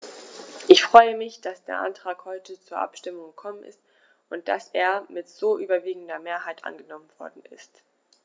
Ich freue mich, dass der Antrag heute zur Abstimmung gekommen ist und dass er mit so überwiegender Mehrheit angenommen worden ist.